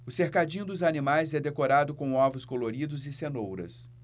o cercadinho dos animais é decorado com ovos coloridos e cenouras